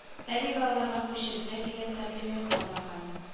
Әлегә аларга күчерергә дигән тәкъдим ясалмаган